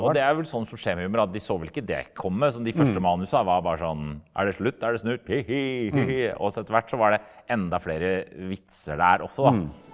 og det er vel sånn som skjer med humor at de så vel ikke det komme, så de første manusa var bare sånn er det slutt er det snutt og så etterhvert så var det enda flere vitser der også da.